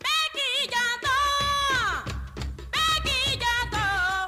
Bɛɛ k'i janto, bɛɛ k'i janto